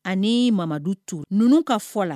Ani mamadu to ninnu ka fɔ la